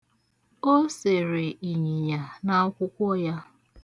O sere ịnyịnya n'akwụkwọ ya.